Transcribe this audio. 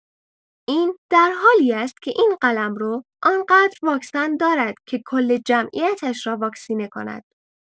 این در حالی است که این قلمرو آنقدر واکسن دارد که کل جمعیتش را واکسینه کند.